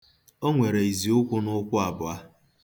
O nwere iziụkwụ n'ụkwụ abụọ.